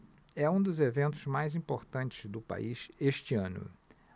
é um dos eventos mais importantes do país este ano